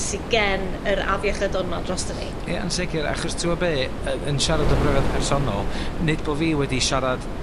sy gen, yr afiechydon 'ma droston ni. Ie yn sicir, achos ti wbo' be' y- yn siarad o brofiad personol, nid bo' fi wedi siarad